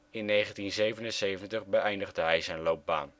In 1977 beëindigde hij zijn loopbaan